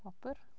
Gwobr?